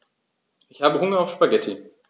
Ich habe Hunger auf Spaghetti.